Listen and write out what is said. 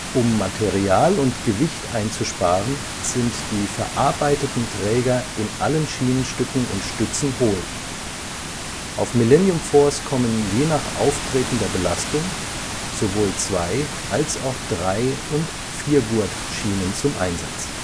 Um Material und Gewicht einzusparen, sind die verarbeiteten Träger in allen Schienenstücken und Stützen hohl. Auf Millennium Force kommen je nach auftretender Belastung sowohl Zwei - als auch Drei - und Viergurtschienen zum Einsatz